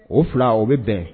O 2 o be bɛn